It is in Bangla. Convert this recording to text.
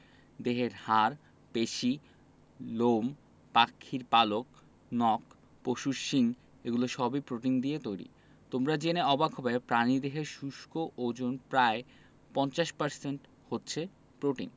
দেহের হাড় পেশি লোম পাখির পালক নখ পশুর শিং এগুলো সবই প্রোটিন দিয়ে তৈরি তোমরা জেনে অবাক হবে প্রাণীদেহের শুষ্ক ওজন প্রায় ৫০% হচ্ছে প্রোটিন